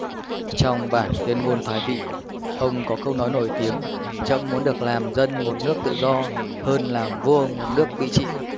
trong bản tuyên ngôn thoái vị ông có câu nói nổi tiếng trẫm muốn được làm dân một nước tự do hơn làm vua một nước bị trị